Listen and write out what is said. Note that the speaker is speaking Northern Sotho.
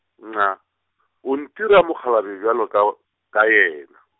nxa, o ntira mokgalabje bjalo ka w-, ka yena.